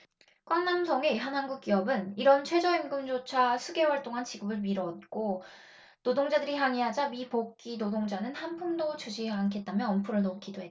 꽝남성의 한 한국기업은 이런 최저임금조차 수개월 동안 지급을 미뤘고 노동자들이 항의하자 미복귀 노동자는 한 푼도 주지 않겠다며 엄포를 놓기도 했다